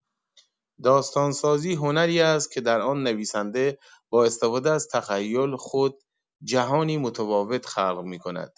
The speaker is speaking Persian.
داستان‌سازی هنری است که در آن نویسنده با استفاده از تخیل خود جهانی متفاوت خلق می‌کند.